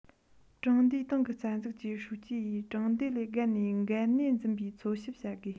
གྲོང སྡེའི ཏང གི རྩ འཛུགས ཀྱི ཧྲུའུ ཅི ཡིས གྲོང སྡེ ལས བརྒལ ནས འགན གནས འཛིན པའི འཚོལ ཞིབ བྱ དགོས